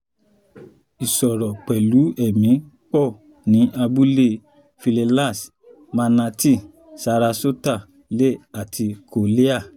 Ìṣòrò pẹ̀lú èémi pọ̀ ní abúlé Pinellas, Manatee, Sarasota, Lee, àti Collier.